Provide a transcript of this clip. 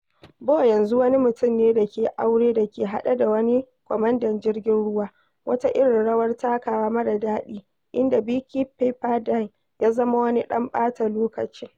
Bough yanzu wani mutum ne da ke aure, da ke haɗe da wani kwamandan jirgin ruwa, wata irin rawar takawa marar daɗi inda Vicki Pepperdine ya zama wani ɗan ɓata lokaci.